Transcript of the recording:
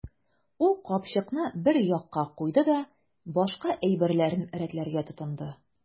Ул капчыкны бер якка куйды да башка әйберләрен рәтләргә тотынды.